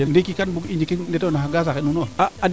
ndiki kan mbug i njik ndetoyo noxa gaz axe nuun no